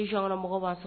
I sagolqmɔgɔ ba sɔ